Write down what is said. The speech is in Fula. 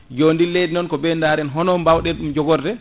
yo ndin leydi non ko ɓe daren hono bawɗen ɗum joogorde